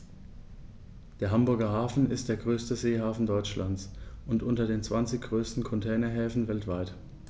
Der Hamburger Hafen ist der größte Seehafen Deutschlands und unter den zwanzig größten Containerhäfen weltweit.